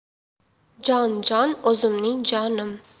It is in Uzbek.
jon jon o'zimning jonim